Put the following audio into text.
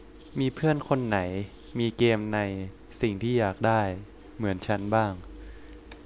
มีเพื่อนคนไหนมีเกมในสิ่งที่อยากได้เหมือนฉันบ้าง